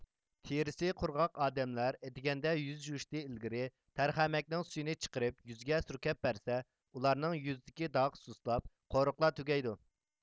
تېرىسى قۇرغاق ئادەملەر ئەتىگەندە يۈز يۇيۇشتىن ئىلگىرى تەرخەمەكنىڭ سۈيىنى چىقىرىپ يۈزىگە سۈركەپ بەرسە ئۇلارنىڭ يۈزىدىكى داغ سۇسلاپ قورۇقلار تۈگەيدۇ